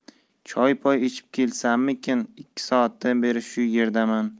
choy poy ichib kelsammikin ikki soatdan beri shu yerdaman